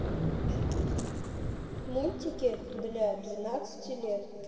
мультики для двенадцати лет